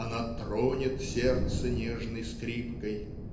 она "тронет сердце нежной скрипкой"